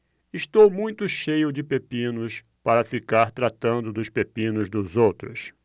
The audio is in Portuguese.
estou muito cheio de pepinos para ficar tratando dos pepinos dos outros